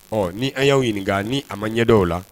Ɔ ni an y'aw ɲininka ni a ma ɲɛda la